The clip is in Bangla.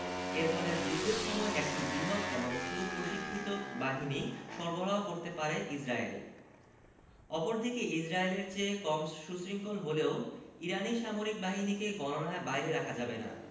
এর ফলে যুদ্ধের সময় একটি বৃহৎ এবং সুপ্রশিক্ষিত বাহিনী সরবরাহ করতে পারে ইসরায়েল অপরদিকে ইসরায়েলের চেয়ে কম সুশৃঙ্খল হলেও ইরানি সামরিক বাহিনীকে গণনার বাইরে রাখা যাবে না